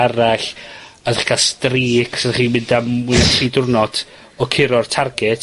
arall. A dych chi ca'l streaks oddach chi'n mynd am mwy na tri diwrnod o curo'r target,